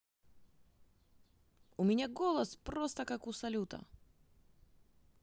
у меня голос просто как у салюта